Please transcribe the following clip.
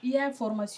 I y'a formation